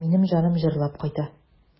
Минем җаным җырлап кайта.